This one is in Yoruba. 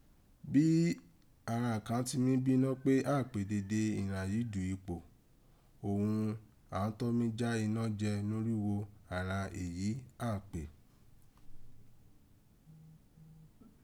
Bi àghan kàn ti mí bínọ́ pe án àn pè dede ìghànyí dù ipò, oghun àn án tọ́n mi já inọ́ jẹ norígho àghan èyí àn án pè.